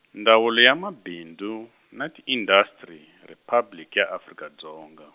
Ndzawulo ya Mabindzu, na Tiindastri Riphabliki ya Afrika Dzonga.